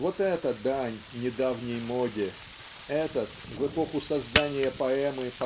вот эта дань недавней моде этот в эпоху создания поэмы